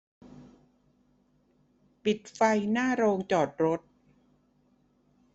ปิดไฟหน้าโรงจอดรถ